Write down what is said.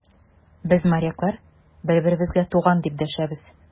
Без, моряклар, бер-беребезгә туган, дип дәшәбез.